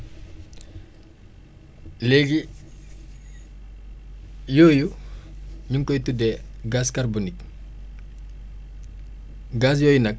léegi yooyu ñu ngi koy tuddee gaz carbonique gaz yooyu nag